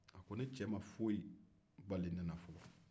a ko ne cɛ ma foyi bali ne la fɔlɔn